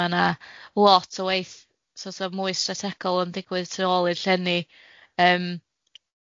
ma' na lot o waith sort of mwy strategol yn digwydd tu ôl i'r llenni yym.